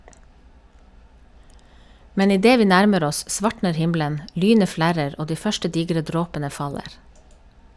Men idet vi nærmer oss, svartner himmelen, lynet flerrer, og de første digre dråpene faller.